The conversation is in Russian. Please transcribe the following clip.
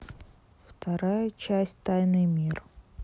вторая часть тайный мир